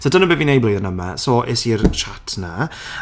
So dyna be fi'n wneud blwyddyn yma. So, es i'r chat 'na.